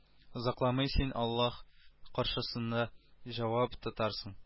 Озакламый син аллаһ каршысында җавап тотарсың